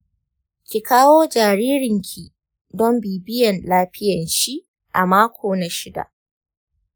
ki kawo jaririnki don bibiyan lafiyanshi a mako na shida.